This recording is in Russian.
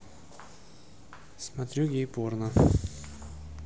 смотрю гей порно